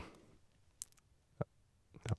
Ja.